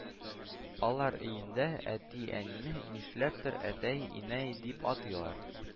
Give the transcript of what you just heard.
Алар өендә әти-әнине, нишләптер, әтәй-инәй дип атыйлар